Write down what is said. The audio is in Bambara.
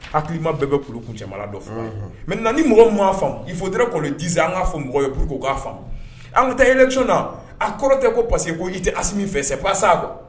Haki i ma bɛɛ bɛ p kun cɛman dɔn mɛ na ni mɔgɔ ma faga i fɔt kolon diz an k'a fɔ mɔgɔuru k'a fan an ka taa yɛlɛ c na a kɔrɔ tɛ ko parce que ko y'i tɛ a min fɛ fɛ sa